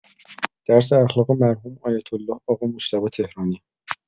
درس اخلاق مرحوم آیت‌الله آقا مجتبی تهرانی.